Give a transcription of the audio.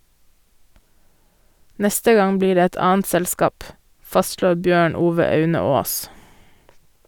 Neste gang blir det et annet selskap, fastslår Bjørn Ove Aune-Aas.